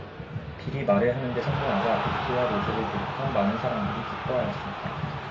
빌이 말을 하는 데 성공하자 빅키와 로즈를 비롯한 많은 사람들이 기뻐하였습니다